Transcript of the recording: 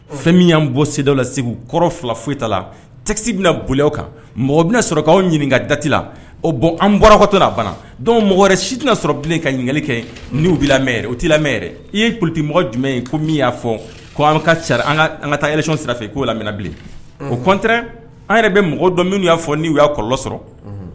Fɛn min y'an bɔ se la segu kɔrɔ fila foyita la tɛkisi bɛna boli kan mɔgɔ bɛna sɔrɔ k'aw ɲini ka dati la o bɔn an bɔra kɔtɔ banna dɔnku mɔgɔ wɛrɛ si dunan sɔrɔ bilen ka ɲininkali kɛ n' bɛɛrɛ o t'i lamɛnɛrɛ i ye kuluti mɔgɔ jumɛn ye ko min y'a fɔ ko an ka ca an ka taa yɛlɛy sira fɛ k'o lamina bilen ko kɔnte an yɛrɛ bɛ mɔgɔ dɔn minnuu y'a fɔ n' y'a kɔlɔ sɔrɔ